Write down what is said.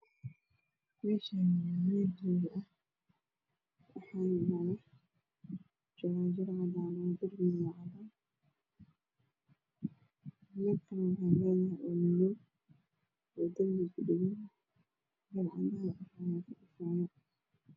Meeshaani waa meel hool waxaa yaalo jaranjaro cadaan leerakana waa madow darbiga ku dhagan leer cadaan Aya ayaa ka ifaayo